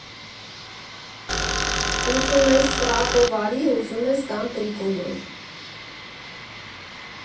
Ուզում ես՝ ֆրակով արի, ուզում ես՝ տան տրիկոյով։